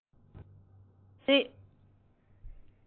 ཤོ མོའི དབྱིབས ལྟར མཛེས